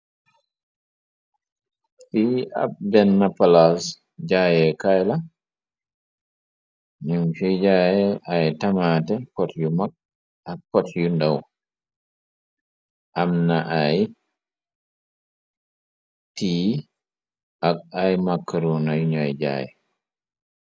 Fii ab benna palas jaaye kayla, num fii jaaye ay tamaate pot yu mag ak pot yu ndaw. Amna ay tii ak ay makkaruna yu ñooy jaay.